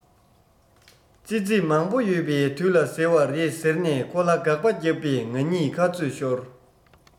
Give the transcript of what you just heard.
ཙི ཙི མང པོ ཡོད པའི དུས ལ ཟེར བ རེད ཟེར ནས ཁོ ལ དགག པ བརྒྱབ པས ང གཉིས ཁ རྩོད ཤོར